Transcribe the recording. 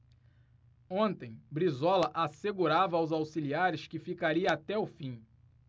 ontem brizola assegurava aos auxiliares que ficaria até o fim